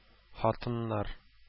Хатыннар